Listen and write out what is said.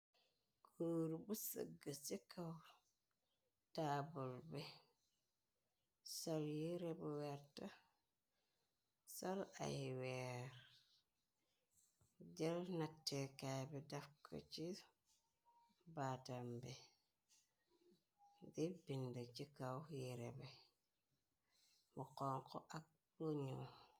Gorre bu sehgu ci kaw taabul bi, sol yehreh bu wertah, sol ay wehrre , jel natekaay bi def kor chi baatam bi, di bindu chi kaw yehreh bi, mu honhu ak lu njull.